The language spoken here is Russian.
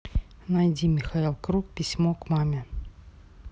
найди михаил круг письмо к маме